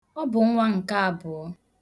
Ọ bụ nwa nke abụọ.